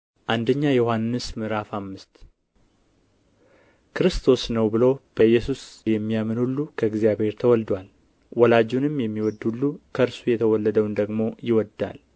አንደኛ ዮሐንስ ምዕራፍ አምስት ክርስቶስ ነው ብሎ በኢየሱስ የሚያምን ሁሉ ከእግዚአብሔር ተወልዶአል ወላጁንም የሚወድ ሁሉ ከእርሱ የተወለደውን ደግሞ ይወዳል